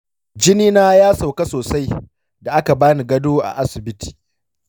jinina ya sauka sosai da aka bani gado a asibiti.